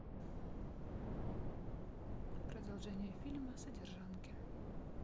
продолжение фильма содержанки